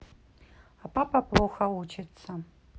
а папа плохо учиться